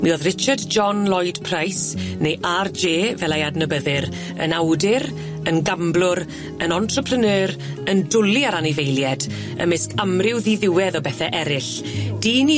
Mi o'dd Richard John Lloyd Price neu' Are Jay fel ei adnabyddir yn awdur yn gamblwr yn entrepreneur yn dwli ar anifeilied , ymysg amryw ddiddiwedd o bethe eryll dyn